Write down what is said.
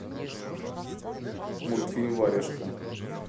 мультфильм варежка